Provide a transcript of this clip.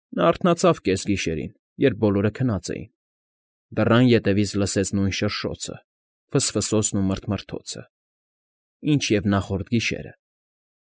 Նա արթնացավ կեսգիշերին, երբ բոլորը քնած էին, դռան ետևից լսեց նույն շրշոցը, ֆսֆսոցն ու մռթմռթոցը, ինչ և նախորդ գիշերը։